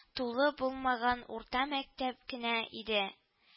Тулы булмаган урта мәктәп кенә иде